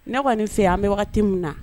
Ne kɔni nin fɛ yen an bɛ waati wagati min na